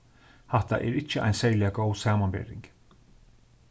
hatta er ikki ein serliga góð samanbering